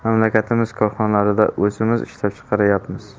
mamlakatimiz korxonalarida o'zimiz ishlab chiqaryapmiz